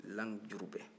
lang jurubɛ